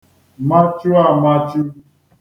machu amachu